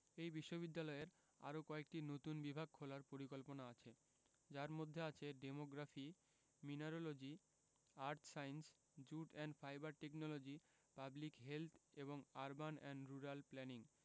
এই বিশ্ববিদ্যালয়ের আরও কয়েকটি নতুন বিভাগ খোলার পরিকল্পনা আছে যার মধ্যে আছে demography mineralogy earth science jute and fibre technology public health এবং আরবান অ্যান্ড রুরাল প্ল্যানিং